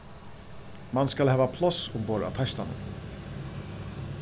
mann skal hava pláss umborð á teistanum